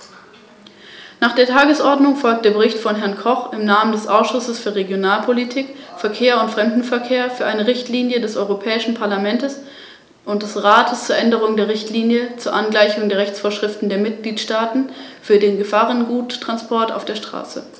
Alle Beiträge des parlamentarischen Ausschusses und des Berichterstatters, Herrn Koch, die in verschiedenen, konkret in vier, Änderungsanträgen zum Ausdruck kommen, werden von der Kommission aufgegriffen.